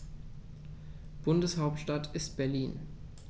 Bundeshauptstadt ist Berlin.